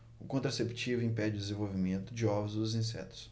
o contraceptivo impede o desenvolvimento de ovos dos insetos